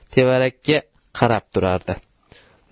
atrof tevarakka qarab turardi